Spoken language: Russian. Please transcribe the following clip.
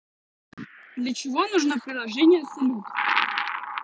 для чего нужно приложение салют